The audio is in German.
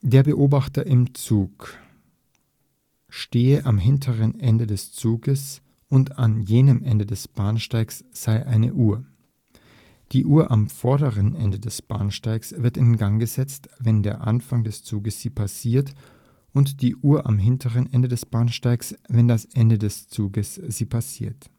Der Beobachter im Zug (vgl. Einsteins Gedankenexperiment) stehe am hinteren Ende des Zuges und an jedem Ende des Bahnsteigs sei eine Uhr. Die Uhr am vorderen Ende des Bahnsteigs wird in Gang gesetzt, wenn der Anfang des Zuges sie passiert, und die Uhr am hinteren Ende des Bahnsteiges, wenn das Ende des Zuges sie passiert